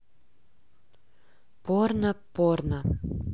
порно порно